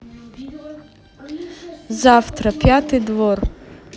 завтра пятый двор